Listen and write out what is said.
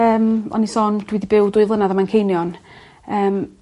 Yym o'n i sôn dwi 'di byw dwy flynadd ym Manceinion yym